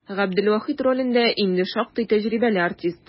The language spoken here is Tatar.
Габделвахит ролендә инде шактый тәҗрибәле артист.